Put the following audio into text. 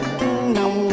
nồng